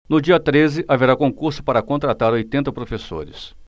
no dia treze haverá concurso para contratar oitenta professores